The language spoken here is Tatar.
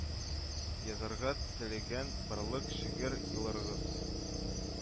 Язарга теләгән барлык шигырь юлларыгыз